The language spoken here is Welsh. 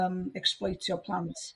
yym ecsbloetio plant